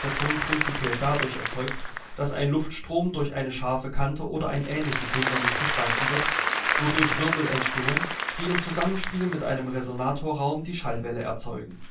Ton prinzipiell dadurch erzeugt, dass ein Luftstrom durch eine scharfe Kante oder ein ähnliches Hindernis gespalten wird, wodurch Wirbel entstehen, die im Zusammenspiel mit einem Resonatorraum die Schallwelle erzeugen